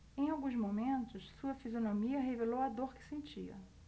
em alguns momentos sua fisionomia revelou a dor que sentia